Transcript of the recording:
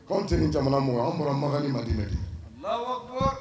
Anw tɛ jamana mɔgɔw an bɔra makangali ma bɛ de